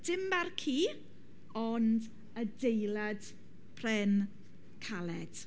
Dim marquee ond adeilad pren caled.